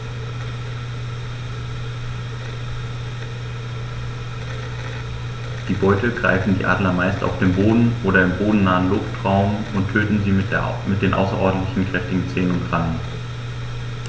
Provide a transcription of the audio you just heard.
Die Beute greifen die Adler meist auf dem Boden oder im bodennahen Luftraum und töten sie mit den außerordentlich kräftigen Zehen und Krallen.